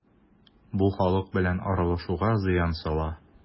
Бу халык белән аралашуга зыян сала.